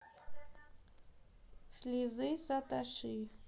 слезы сатоши